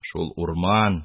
Шул урман